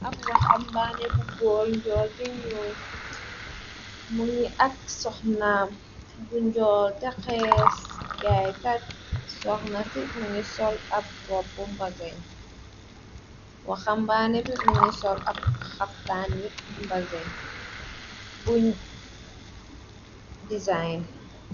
Ab waxambaane bu góor njool te ñyul muli ak soxnaam bu njool te xees gaaykt soxna ci mënga sol ab rop bu mbasin waxambaane bi mëngi sol ab xaftaan bun design.